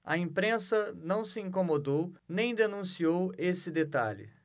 a imprensa não se incomodou nem denunciou esse detalhe